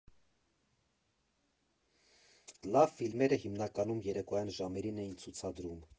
Լավ ֆիլմերը հիմնականում երեկոյան ժամերին էին ցուցադրում։